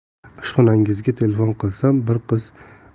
ishxonangizga telefon qilsam bir